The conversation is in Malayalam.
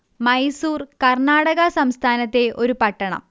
മൈസൂർ കർണാടക സംസ്ഥാനത്തെ ഒരു പട്ടണം